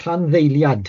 Rhanddeiliad.